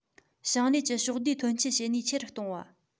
ཞིང ལས ཀྱི ཕྱོགས བསྡུས ཐོན སྐྱེད བྱེད ནུས ཆེ རུ གཏོང བ